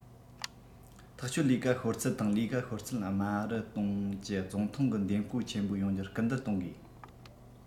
ཐག གཅོད ལས ཀ ཤོར ཚད དང ལས ཀ ཤོར ཚད དམའ རུ གཏོང གྱི ཙུང ཐུང གི འདེམས བསྐོ ཆེན པོ ཡོང རྒྱུར སྐུལ འདེད གཏོང དགོས